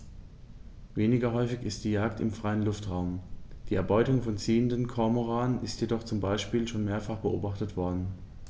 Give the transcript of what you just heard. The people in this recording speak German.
Weniger häufig ist die Jagd im freien Luftraum; die Erbeutung von ziehenden Kormoranen ist jedoch zum Beispiel schon mehrfach beobachtet worden.